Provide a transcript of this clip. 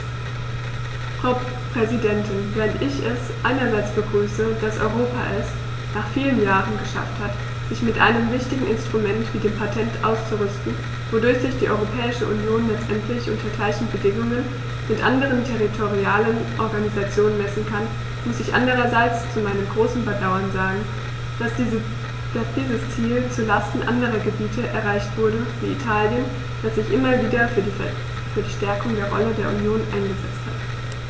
Frau Präsidentin, während ich es einerseits begrüße, dass Europa es - nach vielen Jahren - geschafft hat, sich mit einem wichtigen Instrument wie dem Patent auszurüsten, wodurch sich die Europäische Union letztendlich unter gleichen Bedingungen mit anderen territorialen Organisationen messen kann, muss ich andererseits zu meinem großen Bedauern sagen, dass dieses Ziel zu Lasten anderer Gebiete erreicht wurde, wie Italien, das sich immer wieder für die Stärkung der Rolle der Union eingesetzt hat.